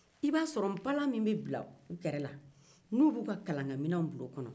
i b'a sɔrɔ npalan min bɛ bila u kɛrɛ la ni u b'u ka kalan kɛ minɛw bila o kɔnɔ